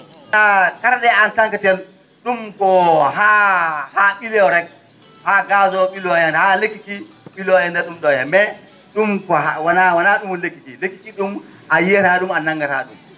kate ?ee en tant que tel ?um ko ko haa haa ?iloo rek haa gaz o ?iloo heen haa lekki ki ?iloo e ndeer ?um ?o he mais ?um ko haa wona wona ?um woni lekki ki lekki ?um a yiyata ?um a nanngataa ?um